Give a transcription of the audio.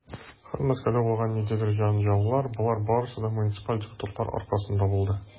Һәм Мәскәүдә булган ниндидер җәнҗаллар, - болар барысы да муниципаль депутатлар аркасында булды.